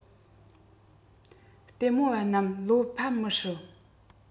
ལྟད མོ བ རྣམ བློ ཕམ མི སྲིད